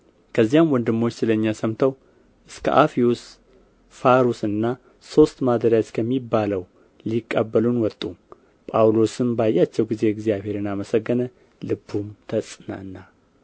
ከዚያም ወንድሞች ስለ እኛ ሰምተው እስከ አፍዩስ ፋሩስና ሦስት ማደሪያ እስከሚባለው ሊቀበሉን ወጡ ጳውሎስም ባያቸው ጊዜ እግዚአብሔርን አመሰገነ ልቡም ተጽናና